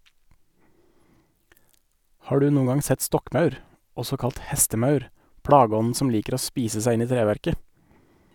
Har du noen gang sett stokkmaur, også kalt hestemaur, plageånden som liker å spise seg inn i treverket?